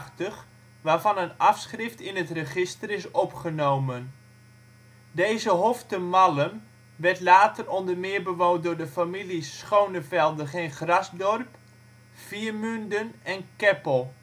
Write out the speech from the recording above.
1188 waarvan een afschrift in het register is opgenomen. Deze Hof te Mallem werd later onder meer bewoond door de families Schonevelde gen. Grasdorp, Viermünden en Keppel